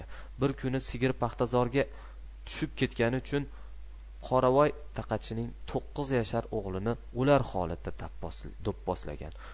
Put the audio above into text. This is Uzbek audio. bir kuni sigiri paxtazorga tushib ketgani uchun qoravoy taqachining to'qqiz yashar o'g'lini o'lar holatda do'pposlagan